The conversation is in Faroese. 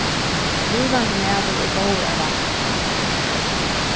livandi maður er góður at vænta